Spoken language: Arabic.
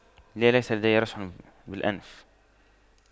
لا ليس لدي رشح بالأنف